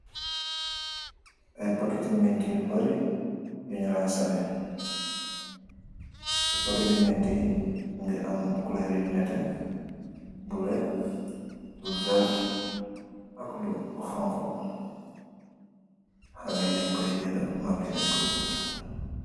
ay pakketi minti yu bari yuñraan sale ci paketi minti yi ngi am culer yu nete bule lu vert ak lu hanko xaley dañ koy jenda mag yi dañ koy jenda